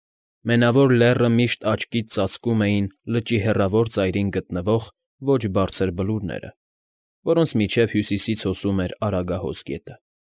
Մենավոր Լեռը միշտ աչքից ծածկում էին լճի հեռավոր ծայրին գտնվող ոչ բարձր բլուրները, որոնց միջև հյուսիսից հոսում էր Արագահոս գետը։